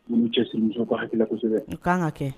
U y'u cɛ sirimuso ba hala kosɛbɛ i ka kan ka kɛ